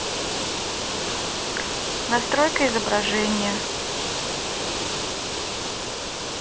настройка изображения